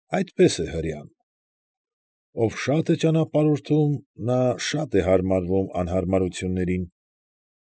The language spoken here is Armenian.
Այսպես է հրեան։ Ով շատ է ճանապարհորդում, նա շուտ է հարմարվում անհարմարություններին։